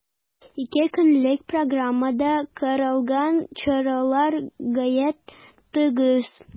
Ике көнлек программада каралган чаралар гаять тыгыз.